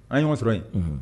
An ye ɲɔgɔn sɔrɔ yen